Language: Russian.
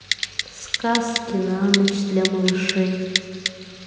сказки на ночь для малышей